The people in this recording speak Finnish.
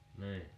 niin